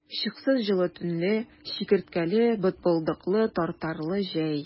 Чыксыз җылы төнле, чикерткәле, бытбылдыклы, тартарлы җәй!